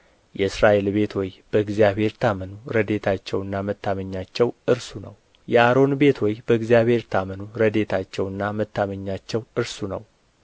የእስራኤል ቤት ሆይ በእግዚአብሔር ታመኑ ረድኤታቸውና መታመኛቸው እርሱ ነው የአሮን ቤት ሆይ በእግዚአብሔር ታመኑ ረድኤታቸውና መታመኛቸው እርሱ ነው